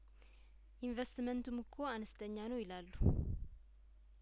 ኢንቨስትመንቱም እኮ አነስተኛ ነው ይላሉ